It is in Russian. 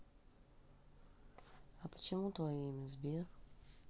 а почему твое имя сбер